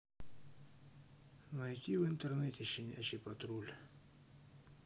найти в интернете щенячий патруль